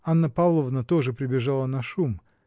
Анна Павловна тоже прибежала на шум.